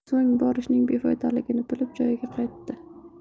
so'ng borishning befoydaligini bilib joyiga qaytdi